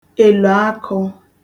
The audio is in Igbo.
èlò akụ̄